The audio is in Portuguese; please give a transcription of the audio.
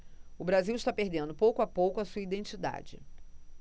o brasil está perdendo pouco a pouco a sua identidade